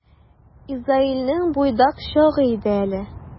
Изаилнең буйдак чагы иде әле.